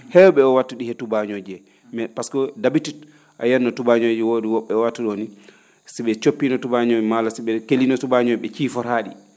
heew?e oo wattu ?i he tubaañooji hee mais pasque d' habitude a yiyatno tubaañooji woodi wo??e oo wattu ?oo nii si ?i coppiino tubaañoo ma walla si ?e keliino tubaañoo ?e ciiforaa ?i